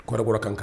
Kɔri kura kan ka